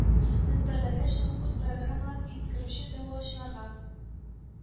Мөнбәрләргә чыгып, үз программаларын иткерүче дәгъвачыларга